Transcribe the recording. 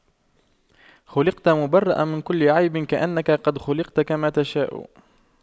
خلقت مُبَرَّأً من كل عيب كأنك قد خُلقْتَ كما تشاء